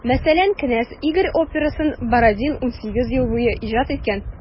Мәсәлән, «Кенәз Игорь» операсын Бородин 18 ел буе иҗат иткән.